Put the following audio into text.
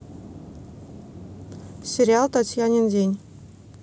сериал татьянин день